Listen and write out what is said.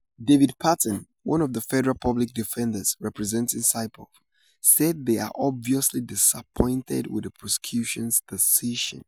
David Patton, one of the federal public defenders representing Saipov, said they are "obviously disappointed" with the prosecution's decision.